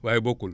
waaye bokkul